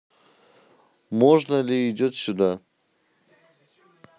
можно ли идет сюда